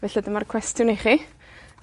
Felly, dyma'r cwestiwn i chi: